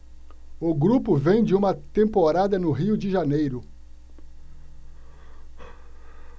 o grupo vem de uma temporada no rio de janeiro